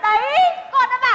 đấy